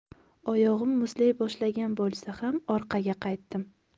oyog'im muzlay boshlagan bo'lsa ham orqaga qaytdim